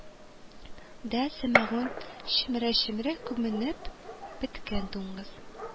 Да самагун чөмерә-чөмерә күбенеп беткән, дуңгыз